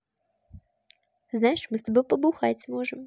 знаешь мы с тобой побухать сможем